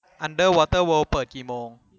อันเดอร์วอเตอร์เวิล์ดเปิดกี่โมง